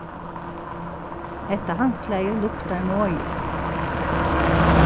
hetta handklæði luktar moðið